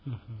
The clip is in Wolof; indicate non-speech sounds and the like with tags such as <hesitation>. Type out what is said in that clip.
<hesitation> <hesitation>